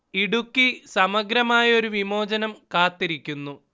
ഇടുക്കി സമഗ്രമായ ഒരു വിമോചനം കാത്തിരിക്കുന്നു